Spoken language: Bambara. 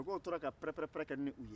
sokɛw tora ka pɛrɛ-pɛrɛ-pɛrɛ kɛ n'u ye